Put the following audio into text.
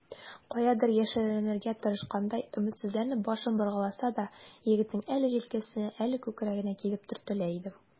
Каядыр яшеренергә тырышкандай, өметсезләнеп башын боргаласа да, егетнең әле җилкәсенә, әле күкрәгенә килеп төртелә иде.